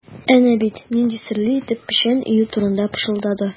Әнә бит нинди серле итеп печән өю турында пышылдады.